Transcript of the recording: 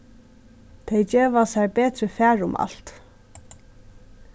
tey geva sær betri far um alt